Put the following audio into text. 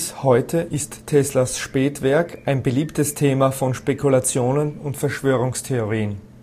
heute ist Teslas Spätwerk ein beliebtes Thema von Spekulationen und Verschwörungstheorien